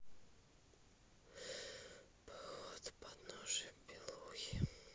поход к подножью белухи